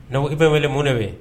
Mɛ i bɛ wele mun de fɛ